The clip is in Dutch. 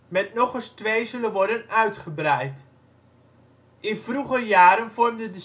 met nog eens twee zullen worden uitgebreid. In vroeger jaren vormde de suikerbietencampagne